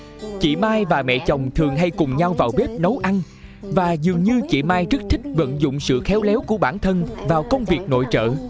chị mai và mẹ chồng thường hay cùng nhau vào bếp nấu ăn và dường như chị mai rất thích vận dụng sự khéo léo của bản thân vào công việc nội trợ